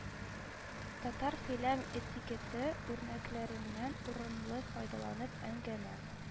Татар сөйлəм этикеты үрнəклəреннəн урынлы файдаланып əңгəмə